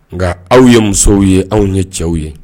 Nka aw ye musow ye aw ye cɛw ye